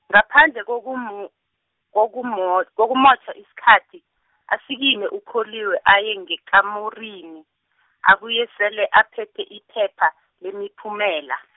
ngaphandle kokumu-, kokumo-, kokumotjha isikhathi, asikime uKholiwe aye ngekamurini, abuye sele aphethe iphepha, lemiphumela.